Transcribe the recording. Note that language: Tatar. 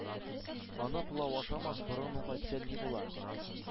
Аны пылау ашамас борын ук әйтсәң ни була!